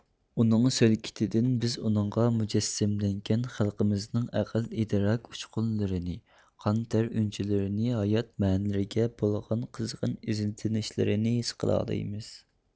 ئۇنىڭ سۆلكىتىدىن بىز ئۇنىڭغا مۇجەسسەملەنگەن خەلقىمىزنىڭ ئەقىل ئىدراك ئۇچقۇنلىرىنى قان تەر ئۈنچىلىرىنى ھايات مەنىلىرىگە بولغان قىزغىن ئىزدىنىشلىرىنى ھېس قىلالايمىز